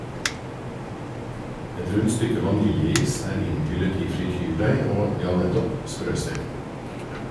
Et rundt stykke vaniljeis er innhyllet i frityrdeig og, ja nettopp, sprøstekt.